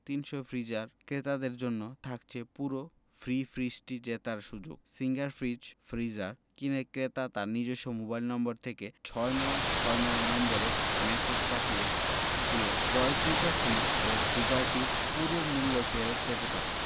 ৩০০ freezer ক্রেতাদের জন্য থাকছে পুরো ফ্রি ফ্রিজটি জেতার সুযোগ সিঙ্গার ফ্রিজ ফ্রিজার কিনে ক্রেতা তার নিজস্ব মোবাইল নম্বর থেকে ৬৯৬৯ নম্বরে ম্যাসেজ পাঠিয়ে দিয়ে ক্রয়কৃত ফ্রিজ ও ফ্রিজারটির পুরো মূল্য ফেরত পেতে পারেন